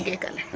Geek ale